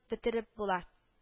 Бетереп була